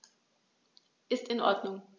Ist in Ordnung.